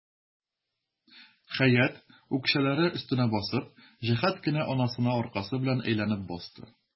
Хәят, үкчәләре өстенә басып, җәһәт кенә анасына аркасы белән әйләнеп басты.